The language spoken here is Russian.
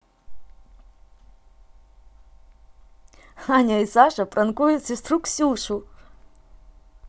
аня и саша пранкуют сестру ксюшу